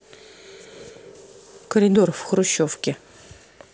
коридор в хрущевке